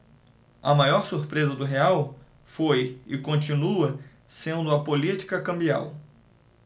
a maior surpresa do real foi e continua sendo a política cambial